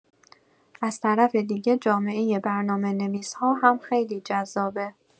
از طرف دیگه، جامعه برنامه‌نویس‌ها هم خیلی جذابه.